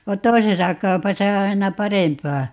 vaan toisessa kaupassa on aina parempaa